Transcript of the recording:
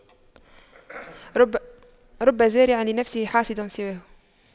رب زارع لنفسه حاصد سواه